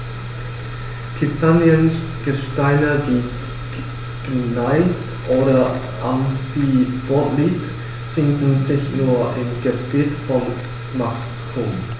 Kristalline Gesteine wie Gneis oder Amphibolit finden sich nur im Gebiet von Macun.